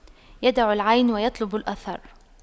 يدع العين ويطلب الأثر